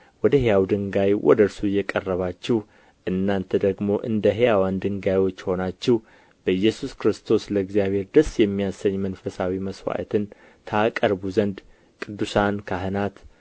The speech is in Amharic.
ወደ ሕያው ድንጋይ ወደ እርሱ እየቀረባችሁ እናንተ ደግሞ እንደ ሕያዋን ድንጋዮች ሆናችሁ በኢየሱስ ክርስቶስ ለእግዚአብሔር ደስ የሚያሰኝ መንፈሳዊ መሥዋዕትን ታቀርቡ ዘንድ ቅዱሳን ካህናት